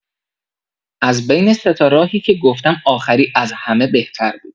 از بین ۳ تا راهی که گفتم آخری از همه بهتر بود.